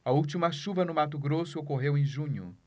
a última chuva no mato grosso ocorreu em junho